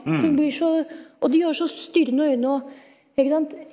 hun blir så og de har så stirrende øyne og ikke sant.